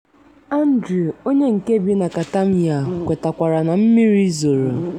Andrew onye nke bi na Katamyya kwetakwara na mmiri zoro!